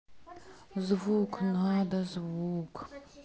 звук надо звук